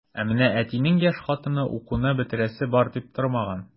Ә менә әтинең яшь хатыны укуны бетерәсе бар дип тормаган.